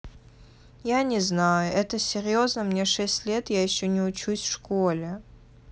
я не знаю это серьезно мне шесть лет я еще не учусь в школе